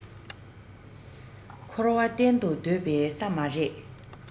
འཁོར བ གཏན དུ སྡོད པའི ས མ རེད